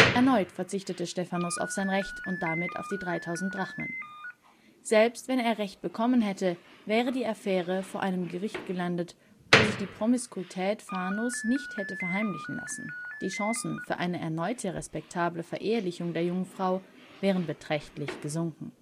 Erneut verzichtete Stephanos auf sein Recht und damit auf die 3.000 Drachmen. Selbst, wenn er Recht bekommen hätte, wäre die Affäre vor einem Gericht gelandet, wo sich die Promiskuität Phanos nicht hätte verheimlichen lassen – die Chancen für eine erneute respektable Verehelichung der jungen Frau wären beträchtlich gesunken